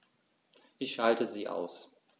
Ich schalte sie aus.